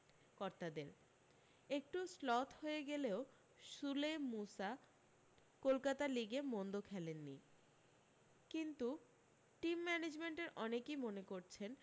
কর্তাদের একটু শ্লথ হয়ে গেলেও সুলে মুসা কলকাতা লিগে মন্দ খেলেননি কিন্তু টিম ম্যানেজমেন্টের অনেকই মনে করছেন